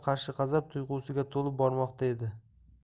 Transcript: qarshi g'azab tuyg'usiga to'lib bormoqda edi